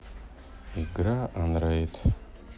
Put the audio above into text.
игра онрейд